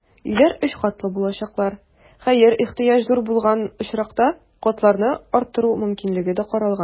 Өйләр өч катлы булачаклар, хәер, ихтыяҗ зур булган очракта, катларны арттыру мөмкинлеге дә каралган.